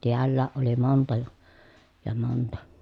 täälläkin oli monta ja ja monta